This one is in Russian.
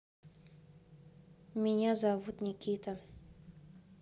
меня зовут никита